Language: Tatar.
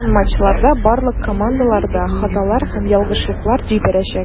Калган матчларда барлык командалар да хаталар һәм ялгышлыклар җибәрәчәк.